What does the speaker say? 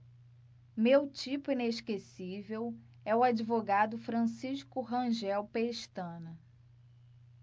meu tipo inesquecível é o advogado francisco rangel pestana